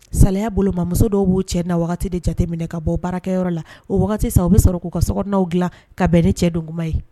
Sariya boloma muso dɔw b'u cɛ na wagati de jateminɛ ka bɔ baarayɔrɔ la o wagati sa u bɛ sɔrɔ k'u ka sow dilan ka bɛn ne cɛ donma ye